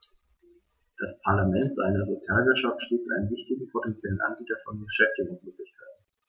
Das Parlament sah in der Sozialwirtschaft stets einen wichtigen potentiellen Anbieter von Beschäftigungsmöglichkeiten.